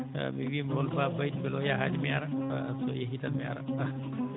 mi wiima on Baba Baydy beela o yahani mi ara so yeehi tan mi ara